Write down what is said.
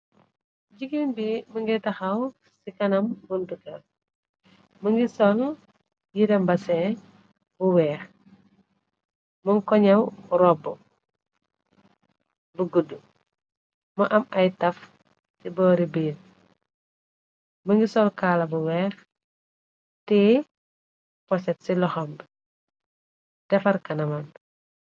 Jigéen bi mongi taxaw ci kanam buntu keur mongi sol yere mbasin bu weex mung ko naaw robu bu guda mo am ay taf ci boore birr bi mongi sol kaala bu weex teye poset ci loxam defar kanamam.